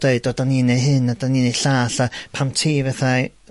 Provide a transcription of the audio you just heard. deud o 'dan ni'n neu' hyn a 'dan ni'n neu' llall, a pam ti fethai...